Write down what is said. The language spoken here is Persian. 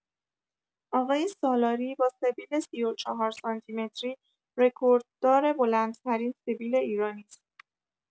آقای سالاری با سبیل ۳۴ سانتی‌متری، رکورددار بلندترین سبیل ایرانی است.